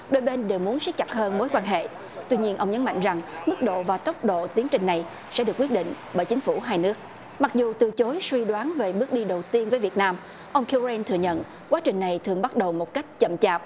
đôi bên đều muốn siết chặt hơn mối quan hệ tuy nhiên ông nhấn mạnh rằng mức độ và tốc độ tiến trình này sẽ được quyết định bởi chính phủ hai nước mặc dù từ chối suy đoán về bước đi đầu tiên với việt nam ông ki rên thừa nhận quá trình này thường bắt đầu một cách chậm chạp